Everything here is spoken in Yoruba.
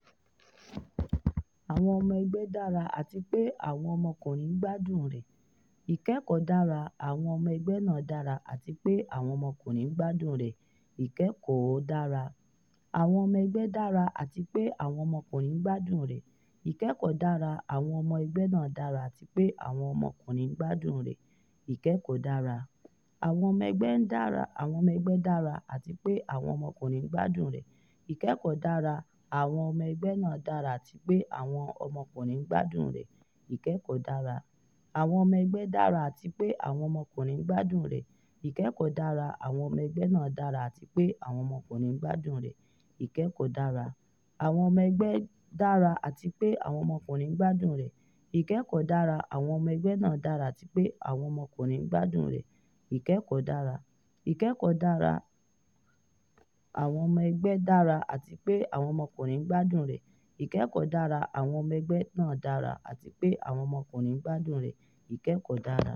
Awọn ọmọ ẹgbẹ dara ati pe awọn ọmọkunrin n gbadun rẹ; ikẹkọọ dara.aÀwọn ọmọ ẹgbẹ́ náà dára àti pe àwọn ọmọkùnrin ń gbádùn rẹ̀; ìkẹ́kọ̀ọ́ dára.